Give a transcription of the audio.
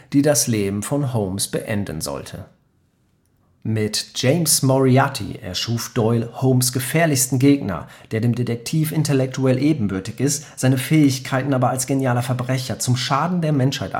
die das Leben von Holmes beenden sollte. Sherlock Holmes in Meiringen, Schweiz. Plastik von John Doubleday Mit James Moriarty erschuf Doyle Holmes’ gefährlichsten Gegner, der dem Detektiv intellektuell ebenbürtig ist, seine Fähigkeiten aber als genialer Verbrecher zum Schaden der Menschheit